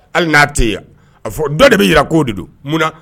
Hali n'a tɛ yan, a fɔ dɔ de bɛ jira k'o de don munna?